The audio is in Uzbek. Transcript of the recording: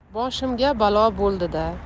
boshimga balo bo'ldida